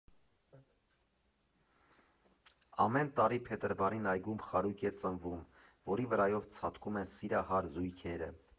Ամեն տարի փետրվարին այգում խարույկ է ծնվում, որի վրայով ցատկում են սիրահար զույգերը։